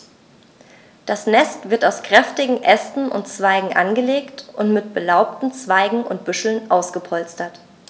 Das Nest wird aus kräftigen Ästen und Zweigen angelegt und mit belaubten Zweigen und Büscheln ausgepolstert.